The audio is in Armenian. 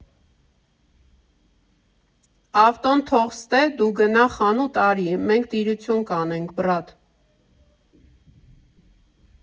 ֊ Ավտոն թող ստե, դու գնա խանութ արի, մենք տիրություն կանենք, բռատ։